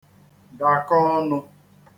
dàkọ ọnụ̄